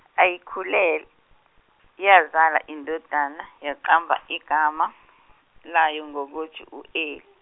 aikhulel-, yazala indodana yaqamba igama, layo ngokuthi u Eli.